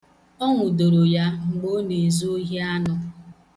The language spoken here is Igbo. Ọ nwụdoro ya mgbe ọ na-ezu ohi anụ.